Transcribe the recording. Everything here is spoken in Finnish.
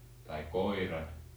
tai koira